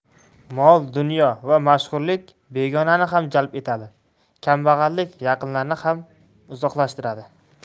mol dunyo va mashhurlik begonani ham jalb etadi kambag'allik yaqinlarni ham uzoqlashtiradi